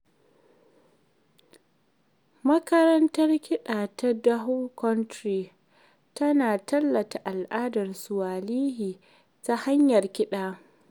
Makarantar kiɗa ta Dhow Countries tana tallata al'adar Swahili ta hanyar kiɗa